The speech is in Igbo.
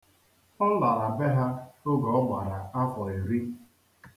Ọ lara be ha oge ọ gbara afọ iri.